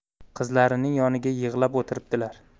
qizlarining yonida yig'lab o'tiribdilar